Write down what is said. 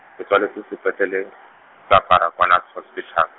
ke tswaletswe sepetleleng, sa Baragwanath Hospital.